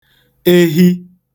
ehi